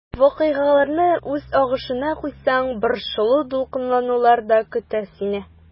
Вакыйгаларны үз агышына куйсаң, борчылу-дулкынланулар да көтә сине.